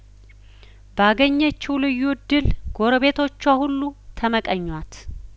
ባገኘችው ልዩ እድል ጐረቤቶቿ ሁሉ ተመቀኟት